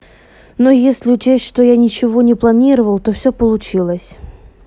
ну если учесть что я ничего не планировал туда все получилось